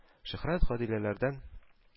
Шөһрәт Гадиләләрдән